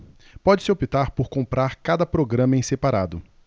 pode-se optar por comprar cada programa em separado